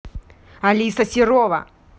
алиса серова